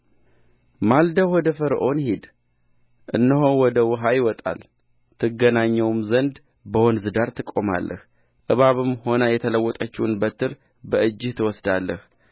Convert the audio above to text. ማልደህ ወደ ፈርዖን ሂድ እነሆ ወደ ውኃ ይወጣል ትገናኘውም ዘንድ አንተ በወንዝ ዳር ትቆማለህ እባብም ሆና የተለወጠችውን በትር በእጅህ ትወስዳለህ